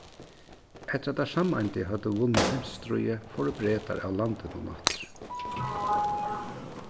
eftir at teir sameindu høvdu vunnið heimsstríðið fóru bretar av landinum aftur